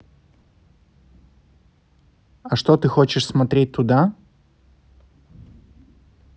а что ты хочешь смотреть туда